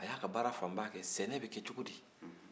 a y'a ka baara fanba kɛ sɛnɛ bɛ kɛ cogo di